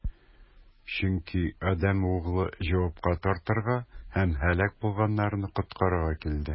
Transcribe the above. Чөнки Адәм Углы җавапка тартырга һәм һәлак булганнарны коткарырга килде.